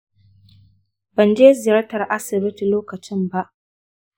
ban je ziyartar asibiti lokacin ciki ba wanda ya wuce.